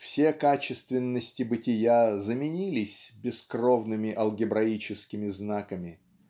все качественности бытия заменились бескровными алгебраическими знаками.